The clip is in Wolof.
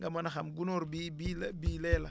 nga mën a xam gunóor bii bii la bii lee la